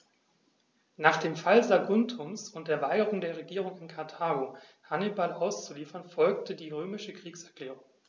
Nach dem Fall Saguntums und der Weigerung der Regierung in Karthago, Hannibal auszuliefern, folgte die römische Kriegserklärung.